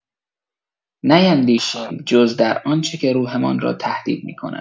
نیندیشیم جز در آنچه که روحمان را تهدید می‌کند.